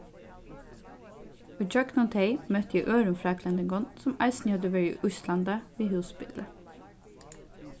ígjøgnum tey møtti eg øðrum fraklendingum sum eisini høvdu verið í íslandi við húsbili